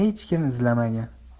xech kim izlamagan